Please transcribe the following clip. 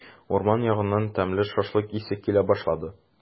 Урман ягыннан тәмле шашлык исе килә башлады.